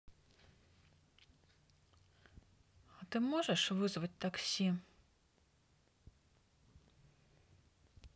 а ты можешь вызвать такси